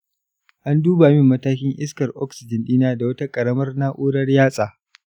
an duba min matakin iskar oxygen ɗina da wata ƙaramar na'u'rar yatsa.